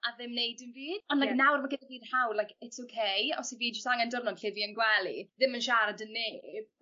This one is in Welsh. a ddim neud dim byd. On' like nawr ma' gynno fi'r hawl like it's ok os 'yf fi jyst angen diwrnod cuddio yn gwely ddim yn siarad 'dy neb